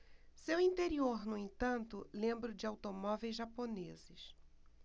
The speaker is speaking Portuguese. seu interior no entanto lembra o de automóveis japoneses